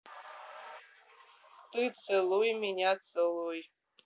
ты целуй меня целуй